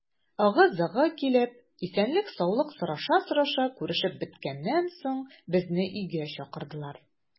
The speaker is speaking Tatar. Ыгы-зыгы килеп, исәнлек-саулык сораша-сораша күрешеп беткәннән соң, безне өйгә чакырдылар.